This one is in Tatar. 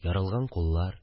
Ярылган куллар